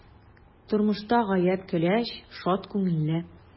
Тормышта гаять көләч, шат күңелле.